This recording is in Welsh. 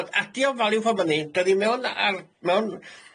Ond adi o'n value for money do'n i mewn a- ar mewn